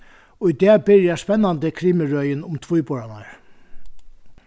í dag byrjar spennandi krimirøðin um tvíburarnar